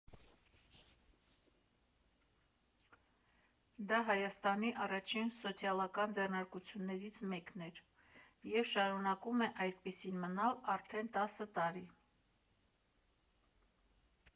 Դա Հայաստանի առաջին սոցիալական ձեռնարկություններից մեկն էր և շարունակում է այդպիսին մնալ արդեն տասը տարի։